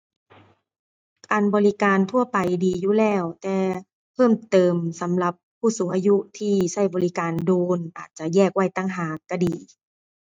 อั่น บริการทั่วไปดีอยู่แล้ว แต่เพิ่มเติมสำหรับผู้สูงอายุที่ใช้บริการโดน อาจจะแยกไว้ ต่างหากใช้ดี